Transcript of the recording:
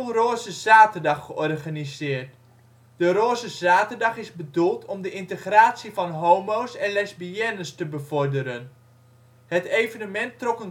Roze zaterdag georganiseerd. De Roze zaterdag is bedoeld om de integratie van homo’ s en lesbiennes te bevorderen. Het evenement trok